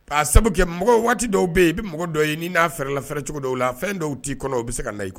Sabu mɔgɔ waati dɔw bɛ yen i bɛ mɔgɔ dɔw ye n' n'a fɛ laɛrɛcogo dɔw la fɛn dɔw' i kɔnɔ o bɛ se ka na koyi